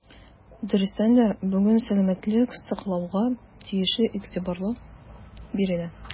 Дөрестән дә, бүген сәламәтлек саклауга тиешле игътибар бирелә.